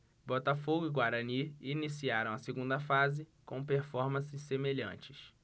botafogo e guarani iniciaram a segunda fase com performances semelhantes